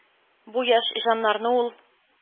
Бу яшь җаннарны ул